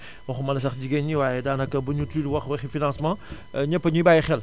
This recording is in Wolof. waxumala sax jigéen ñi waaye daanaka buñu tudd wax waxi financement ñëpp a ñuy bàyyi xel